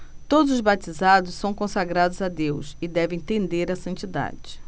todos os batizados são consagrados a deus e devem tender à santidade